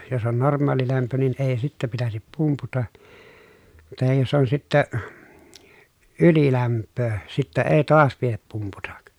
jos on normaalilämpö niin ei sitten pitäisi pumputa tai jos on sitten ylilämpöä sitten ei taas pidä pumputa